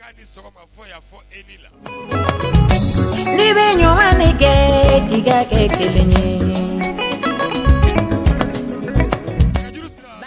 N bɛ ɲuman ni kɛ tiga kɛ kelen